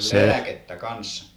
lääkettä kanssa